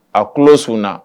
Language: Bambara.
A tulo sun